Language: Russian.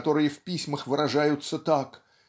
которые в письмах выражаются так